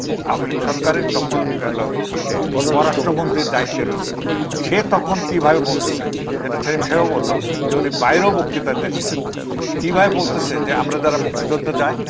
আওয়ামী লীগ সরকারের তখন পররাষ্ট্র মন্ত্রীর দায়িত্বে রয়েছেন সে তখন কিভাবে বলতেছে যেটা সেলিম সাহেব ও বলল যে উনি বাইরেও বক্তৃতাতে দিয়েছেন কিভাবে বলতেছে যে আমরা যারা মুক্তিযোদ্ধা যায়